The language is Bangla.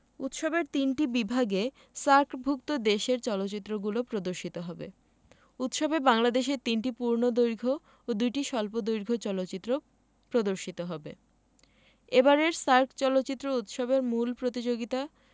উৎসবের তিনটি বিভাগে সার্কভুক্ত দেশের চলচ্চিত্রগুলো প্রদর্শিত হবে উৎসবে বাংলাদেশের ৩টি পূর্ণদৈর্ঘ্য ও ২টি স্বল্পদৈর্ঘ্য চলচ্চিত্র প্রদর্শিত হবে এবারের সার্ক চলচ্চিত্র উৎসবের মূল প্রতিযোগিতা